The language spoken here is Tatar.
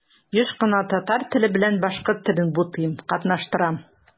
Еш кына татар теле белән башкорт телен бутыйм, катнаштырам.